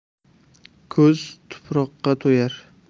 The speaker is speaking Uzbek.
ko'z tuproqqa to'yar